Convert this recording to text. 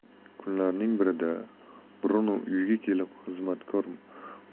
kunlarning birida bruno uyga kelib xizmatkor mariya